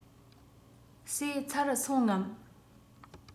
ཟོས ཚར སོང ངམ